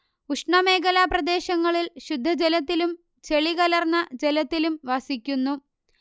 ഉഷ്ണമേഖലാ പ്രദേശങ്ങളിൽ ശുദ്ധജലത്തിലും ചെളികലർന്ന ജലത്തിലും വസിക്കുന്നു